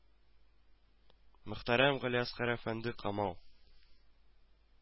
Мөхтәрәм Галиәсгар әфәнде Камал